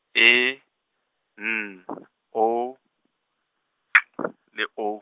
E N O K le O.